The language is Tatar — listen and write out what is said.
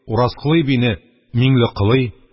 Уразколый бине Миңлеколый,